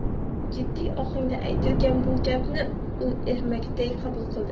jiddiy ohangda aytilgan bu gapni u ermakday qabul qildi